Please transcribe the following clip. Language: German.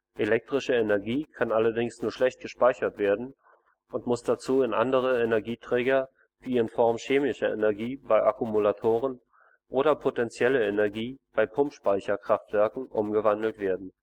Elektrische Energie kann allerdings nur schlecht gespeichert werden und muss dazu in andere Energieträger wie in Form chemischer Energie bei Akkumulatoren oder in potentielle Energie wie bei Pumpspeicherkraftwerken umgewandelt werden